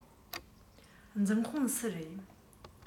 འཛིན དཔོན སུ རེད